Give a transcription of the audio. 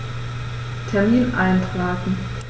Termin eintragen